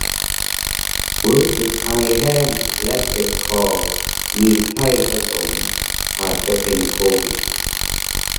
รู้สึกไอแห้งและเจ็บคอมีไข้ผสมอาจจะเป็นโควิด